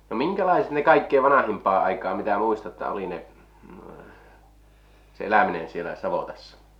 no minkälaiset ne kaikkein vanhimpaan aikaan mitä muistatte oli ne se eläminen siellä savotassa